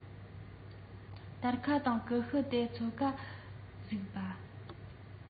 སྟར ཁ དང ཀུ ཤུ དེ ཚོ ག ནས གཟིགས པྰ